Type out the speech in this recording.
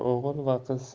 bor 'g'il va qiz